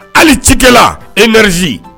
Hali cikɛla emeriz